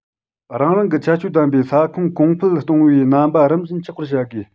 རང རང གི ཁྱད ཆོས ལྡན པའི ས ཁོངས གོང སྤེལ གཏོང བའི རྣམ པ རིམ བཞིན ཆགས པར བྱ དགོས